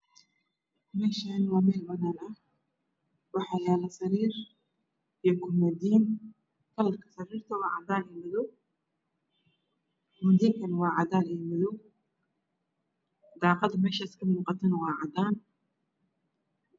Meeshaan waa meel banaan ah waxaa yaalo sariir iyo koobadiin. Kalarka sariirta waa cadaan iyo madow koobadiinkuna waa cadaan iyo madow . Daaqaduna waa cadaan.